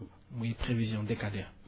muy prévision décadaire